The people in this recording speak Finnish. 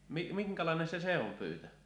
minkälainen se se on pyytö